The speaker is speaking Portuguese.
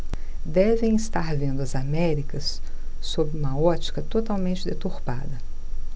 devem estar vendo as américas sob uma ótica totalmente deturpada